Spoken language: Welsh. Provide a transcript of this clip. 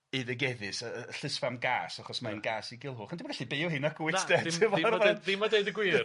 eiddigeddus, yy yy y llysfam gas, achos ma' 'i'n gas i Gulhwch, ond ti 'im yn gallu beio nacwyt de. Na, dim dim a deud ddim a deud y gwir.